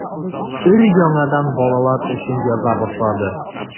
Өр-яңадан балалар өчен яза башлады.